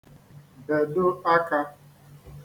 bedo aka